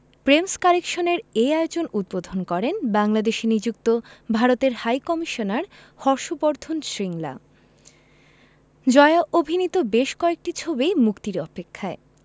প্রেমস কালেকশনের এ আয়োজন উদ্বোধন করেন বাংলাদেশে নিযুক্ত ভারতের হাইকমিশনার হর্ষ বর্ধন শ্রিংলা জয়া অভিনীত বেশ কয়েকটি ছবি মুক্তির অপেক্ষায়